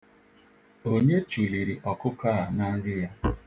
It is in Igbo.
Onye chụliri ọkụkọ a na nri ya?